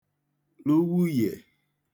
lụ wuyè